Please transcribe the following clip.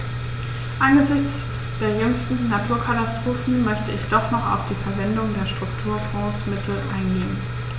Angesichts der jüngsten Naturkatastrophen möchte ich doch noch auf die Verwendung der Strukturfondsmittel eingehen.